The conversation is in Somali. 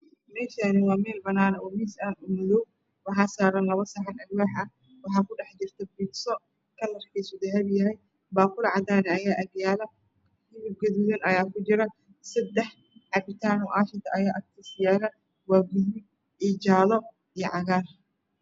Meshan waa Mel bannan ah omis Aad umadow waxaa saran Labbosaxan Alwax ah waxa kudhaxjirto bidso kalarkisa dahabiah baqulicadan ah Aya Agyalo hilib gadudan ayaakujira sidax cabitan o Ashito ah Aya agtisa yalowaa gaduud iyo jaalo iyo cagar